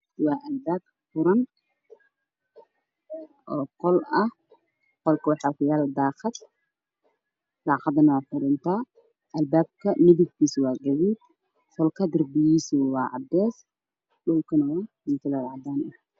Waa albaab xiran oo daaqad o ku yaalla libaabka clarkiisu ma caddaan daaqadana waa madow